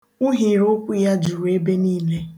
Uhiri ukwu ya juru ebe niile.